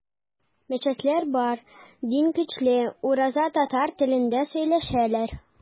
Мәчетләр бар, дин көчле, үзара татар телендә сөйләшәләр.